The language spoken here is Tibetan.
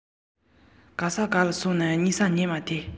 གཉིད མ སད ཀྱི ང རང ཁང པའི